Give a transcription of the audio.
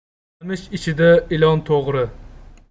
qamish ichida ilon to'g'ri